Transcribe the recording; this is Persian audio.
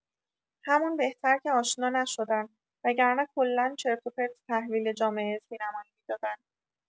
همون بهتر که آشنا نشدن… وگرنه کلا چرت و پرت تحویل جامعه سینمایی می‌دادن